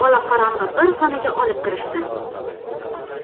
olaqorong'i bir xonaga olib kirishdi